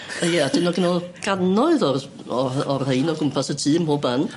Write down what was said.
Ie a dyna gynno fo gannoedd o'r o'r o'r rhein o gwmpas y tŷ ym mhob man.